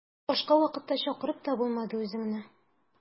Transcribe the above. Башка вакытта чакырып та булмады үзеңне.